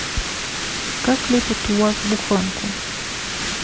как лепят уаз буханку